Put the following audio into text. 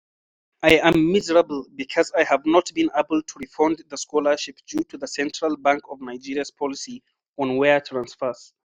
I am miserable because I have not been able to refund the scholarship due to the Central Bank of Nigeria’s policy on wire transfers.